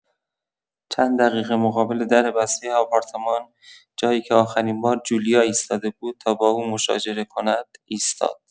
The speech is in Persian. چند دقیقه مقابل در بسته آپارتمان، جایی که آخرین‌بار جولیا ایستاده بود تا با او مشاجره کند، ایستاد.